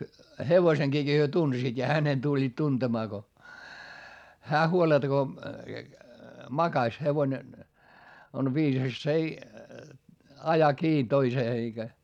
hevosen he tunsivat ja hänen tulivat tuntemaan kun hän huoletta kun makasi hevonen on viisas se ei aja kiinni toiseen eikä